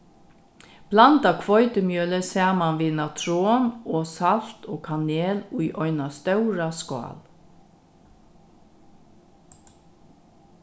blanda hveitimjølið saman við natron og salt og kanel í eina stóra skál